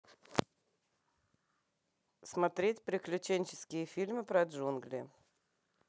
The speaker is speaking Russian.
смотреть приключенческие фильмы про джунгли